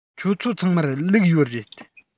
ཁྱོད ཚོ ཚང མར ལུག ཡོད རེད